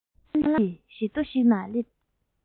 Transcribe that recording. ང རང སྲང ལམ གྱི བཞི མདོ ཞིག ན སླེབས